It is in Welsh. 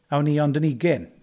A o'n i ond yn ugain.